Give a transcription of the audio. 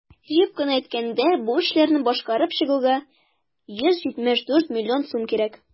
Җыеп кына әйткәндә, бу эшләрне башкарып чыгуга 174 млн сум кирәк.